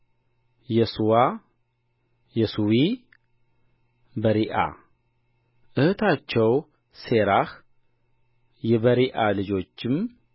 የከነዓናዊት ልጅ ሳኡል የሌዊም ልጆች ጌድሶን ቀዓት